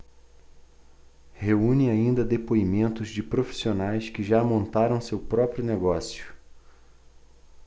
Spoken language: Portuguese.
reúne ainda depoimentos de profissionais que já montaram seu próprio negócio